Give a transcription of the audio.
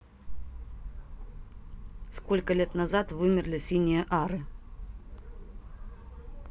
сколько лет назад вымерли синие ары